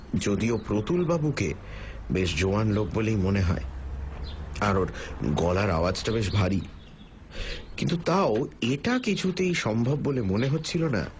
যদিও প্রতুলবাবুকে বেশ জোয়ান লোক বলে মনে হয় আর ওঁর গলার আওয়াজটা বেশ ভারী কিন্তু তাও এটা কিছুতেই সম্ভব বলে মনে হচ্ছিল না